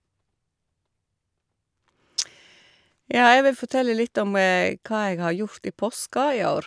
Ja, jeg vil fortelle litt om hva jeg har gjort i påska i år.